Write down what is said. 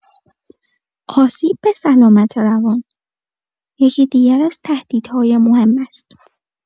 آسیب به سلامت روان یکی دیگر از تهدیدهای مهم است.